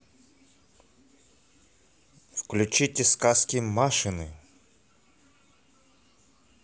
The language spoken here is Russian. включите сказки машины